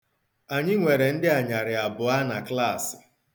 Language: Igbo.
Anyị nwere ndị anyarị abụọ na klaasị.